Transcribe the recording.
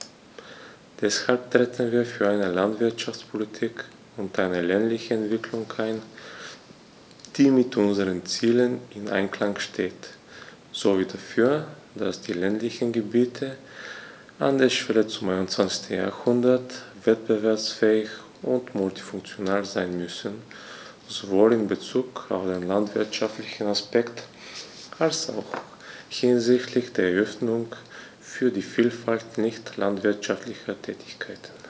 Deshalb treten wir für eine Landwirtschaftspolitik und eine ländliche Entwicklung ein, die mit unseren Zielen im Einklang steht, sowie dafür, dass die ländlichen Gebiete an der Schwelle zum 21. Jahrhundert wettbewerbsfähig und multifunktional sein müssen, sowohl in bezug auf den landwirtschaftlichen Aspekt als auch hinsichtlich der Öffnung für die Vielfalt nicht landwirtschaftlicher Tätigkeiten.